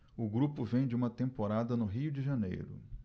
o grupo vem de uma temporada no rio de janeiro